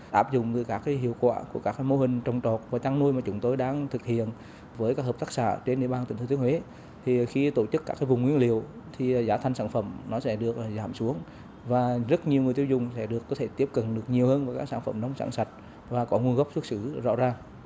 áp dụng với các hiệu quả của các mô hình trồng trọt và chăn nuôi mà chúng tôi đang thực hiện với các hợp tác xã trên địa bàn tỉnh thừa thiên huế thì khi tổ chức các vùng nguyên liệu thì giá thành sản phẩm nó sẽ được giảm xuống và rất nhiều người tiêu dùng sẽ được có thể tiếp cận được nhiều hơn với các sản phẩm nông sản sạch và có nguồn gốc xuất xứ rõ ràng